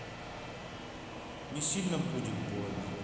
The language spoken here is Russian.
не сильно будет больно